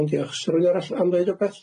Iawn diolch. Sy' rywun arall am ddeud rwbeth?